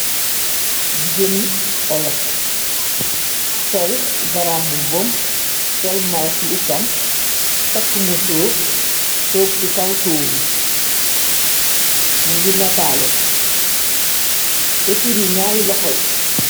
Jigéenu olaf sol garam mbo boom sol marakis yi esam takk mu soof toog ci kaw toogu mu ngi nataalu te fiir yi gñaari loxa yi.